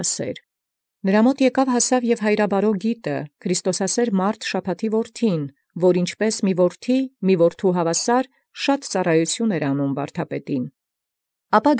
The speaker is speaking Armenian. Որում և հասեալ ժամանեալ հայրաբարուին Գտայ, որդւոյ Շաբաթայ առն քրիստոսասիրի, բազում սպասաւորութիւն իբրև հաւասարի որդւոյ վարդապետին տանէր։